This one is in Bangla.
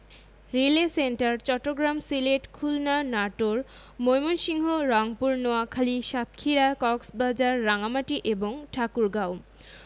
রিলে সেন্টার চট্টগ্রাম সিলেট খুলনা নাটোর ময়মনসিংহ রংপুর নোয়াখালী সাতক্ষীরা কক্সবাজার রাঙ্গামাটি এবং ঠাকুরগাঁও